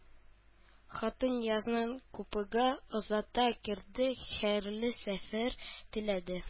Хатын Ниязны купега озата керде, хәерле сәфәр теләде